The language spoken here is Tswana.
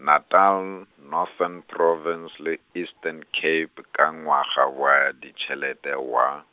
Natal, Northern Province le Eastern Cape ka ngwaga wa ditšhelete wa.